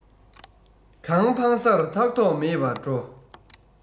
གང འཕངས སར ཐག ཐོགས མེད པར འགྲོ